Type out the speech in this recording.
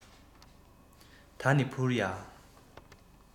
ད ནི འཕུར ཡ